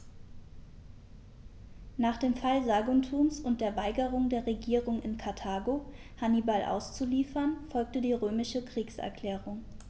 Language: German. Nach dem Fall Saguntums und der Weigerung der Regierung in Karthago, Hannibal auszuliefern, folgte die römische Kriegserklärung.